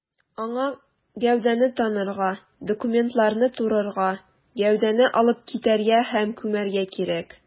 Аңа гәүдәне танырга, документларны турырга, гәүдәне алып китәргә һәм күмәргә кирәк.